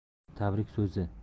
tabrik so'zi